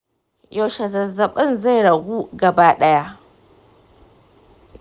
yaushe zazzabin zai ragu gaba ɗaya?